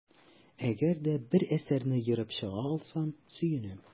Әгәр дә бер әсәрне ерып чыга алсам, сөенәм.